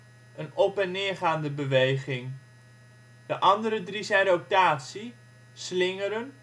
en neergaande beweging) De andere drie zijn rotatie: Slingeren